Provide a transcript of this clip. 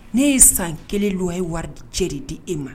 Ne ye san kelen don o ye wari cɛ di e ma